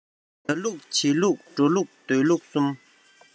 བྱ ལུགས བྱེད ལུགས འགྲོ ལུགས སྡོད ལུགས གསུམ